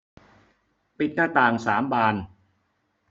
ปิดหน้าต่างสามบาน